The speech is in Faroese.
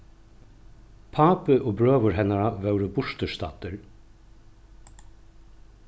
pápi og brøður hennara vóru burturstaddir